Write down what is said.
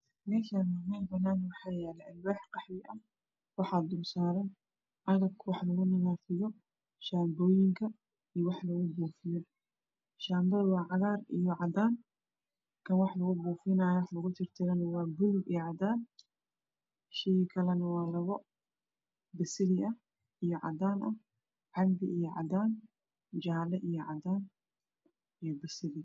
Meshani waa mel banaan waxaa yala alwax qaxwiya waxaa dul saran agabka waxa lagu nadafadiyo shemboyin iyo waxa lagu bufiyo shambada waa cagar iyo cadan kan waxa lagu bufiyana lagu tirtiro waa bulug iyo cadan shayga kalana labo basali iyo cadan cambe iyo cadan jale iyo cadan iyo basali